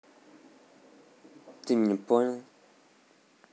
ты меня понял